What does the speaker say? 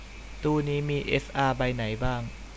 ตู้นี้มีเอสอาใบไหนบ้าง